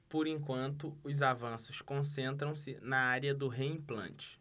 por enquanto os avanços concentram-se na área do reimplante